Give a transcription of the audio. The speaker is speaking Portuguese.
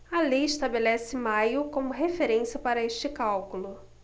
a lei estabelece maio como referência para este cálculo